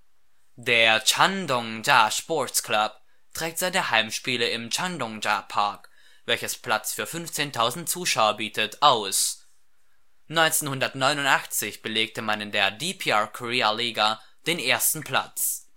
Der Chandongja Sports Club trägt seine Heimspiele im Chandongja Park, welches Platz für 15.000 Zuschauer bietet, aus. 1989 belegte man in der DPR Korea Liga den ersten Platz